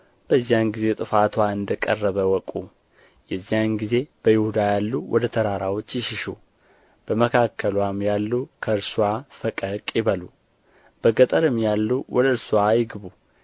በዚያን ጊዜ ጥፋትዋ እንደ ቀረበ እወቁ የዚያን ጊዜ በይሁዳ ያሉ ወደ ተራራዎች ይሽሹ በመካከልዋም ያሉ ከእርስዋ ፈቀቅ ይበሉ በገጠር ያሉም ወደ እርስዋ አይግቡ